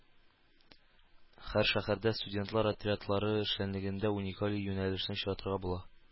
Һәр шәһәрдә студентлар отрядлары эшчәнлегендә уникаль юнәлешне очратырга була